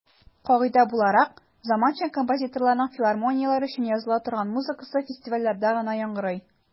Кагыйдә буларак, заманча композиторларның филармонияләр өчен языла торган музыкасы фестивальләрдә генә яңгырый.